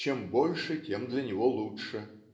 чем больше, тем для него лучше.